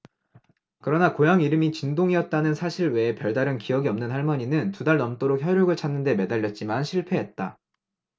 그러나 고향 이름이 진동이었다는 사실 외에 별다른 기억이 없는 할머니는 두 달 넘도록 혈육을 찾는 데 매달렸지만 실패했다